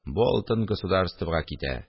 Бу алтын государствога китә